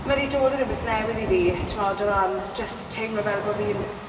Ma' 'di dod â rwbeth newydd i fi t'mod o ran jyst teimlo fel bo' fi'n